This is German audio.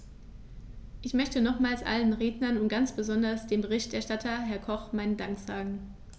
Ich möchte nochmals allen Rednern und ganz besonders dem Berichterstatter, Herrn Koch, meinen Dank sagen.